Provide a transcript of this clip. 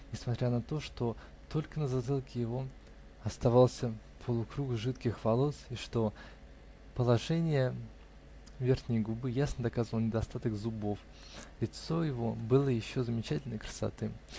Несмотря на то, что только на затылке его оставался полукруг жидких волос и что положение верхней губы ясно доказывало недостаток зубов, лицо его было еще замечательной красоты.